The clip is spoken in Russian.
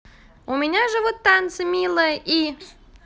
у меня живут танцы милая и